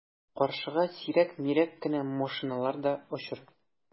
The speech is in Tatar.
Каршыга сирәк-мирәк кенә машиналар да очрый.